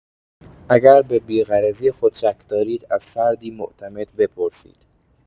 اگر به بی‌غرضی خود شک دارید، از فردی معتمد بپرسید.